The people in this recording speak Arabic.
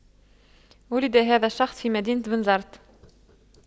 ولد هذا الشخص في مدينة بنزرت